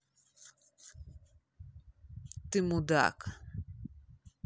ты мудак